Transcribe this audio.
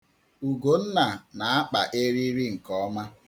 Ugonna na-akpa eriri nke ọma.